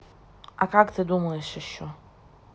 а как ты думаешь еще